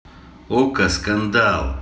okko скандал